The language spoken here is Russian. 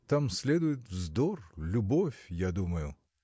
там следует вздор, любовь, я думаю.